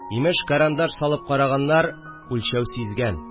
Имеш, карандаш салып караганнар, үлчәү сизгән